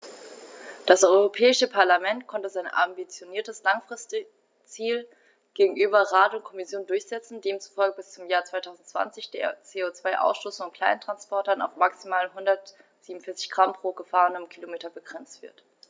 Das Europäische Parlament konnte sein ambitioniertes Langfristziel gegenüber Rat und Kommission durchsetzen, demzufolge bis zum Jahr 2020 der CO2-Ausstoß von Kleinsttransportern auf maximal 147 Gramm pro gefahrenem Kilometer begrenzt wird.